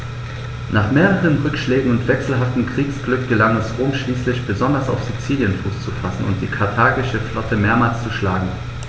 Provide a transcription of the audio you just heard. Nach mehreren Rückschlägen und wechselhaftem Kriegsglück gelang es Rom schließlich, besonders auf Sizilien Fuß zu fassen und die karthagische Flotte mehrmals zu schlagen.